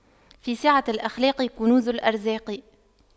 في سعة الأخلاق كنوز الأرزاق